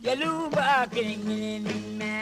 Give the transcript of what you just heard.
Jeliw b'a kɛ kelen